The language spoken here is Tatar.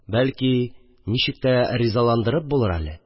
Бәлки, ничек тә ризаландырып булыр әле